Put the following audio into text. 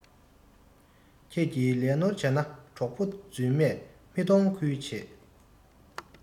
ཁྱེད ཀྱི ལས ནོར བྱས ནས གྲོགས པོ རྫུན མས མི མཐོང ཁུལ བྱེད